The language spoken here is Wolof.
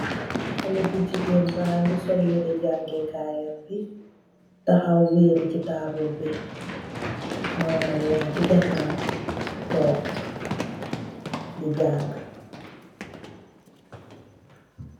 Xale bu gigeen bangi sol yirèh jan'ngeh xayambi taxaw wèru ci tabal bi, moro'mom yanci nganaaw wam tok di janga.